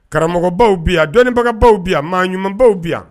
Karamɔgɔbaw bi yan dɔnibagabaw bi yan maaɲumanbaw bi yan